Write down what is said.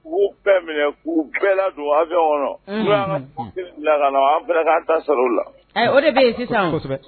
U b'u bɛɛ minɛ k'u bɛɛ la don awiyɔn kɔnɔ .